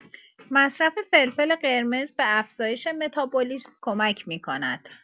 مصرف فلفل قرمز به افزایش متابولیسم کمک می‌کند.